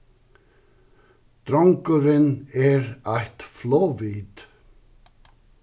drongurin er eitt flogvit